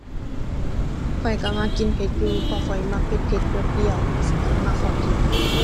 ข้อยก็มักกินเผ็ดอยู่ เพราะข้อยมักเผ็ดเผ็ดเปรี้ยวเปรี้ยวจั่งซี้ ข้อยมักของเผ็ด